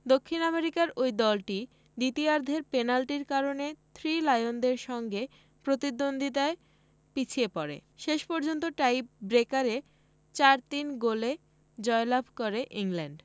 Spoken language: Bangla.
দক্ষিণ আমেরিকার ওই দলটি দ্বিতীয়ার্ধের পেনাল্টির কারণে থ্রি লায়নদের সঙ্গে প্রতিদ্বন্দ্বিতায় পিছিয়ে পড়ে শেষ পর্যন্ত টাইট্রেকারে ৪ ৩ গোলে জয়লাভ করে ইংল্যান্ড